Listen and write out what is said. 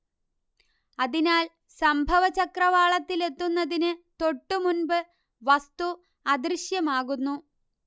അതിനാൽ സംഭവചക്രവാളത്തിലെത്തുന്നതിന് തൊട്ടുമുമ്പ് വസ്തു അദൃശ്യമാകുന്നു